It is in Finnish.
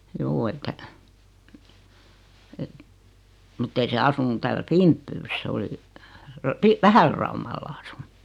juu että että mutta ei se asunut täällä Finbyssä se oli -- Vähälläraumalla asunut